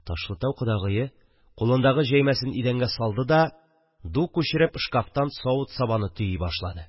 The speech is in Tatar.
Ташлытау кодагые кулындагы җәймәсен идәнгә салды да, ду күчереп шкафтан савыт-сабаны төйи башлады